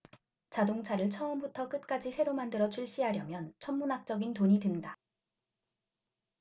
자동차를 처음부터 끝까지 새로 만들어 출시하려면 천문학적인 돈이 든다